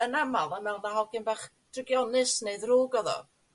yn amal yn me'wl ma' hogyn bach drygionus ne' ddrwg odd o.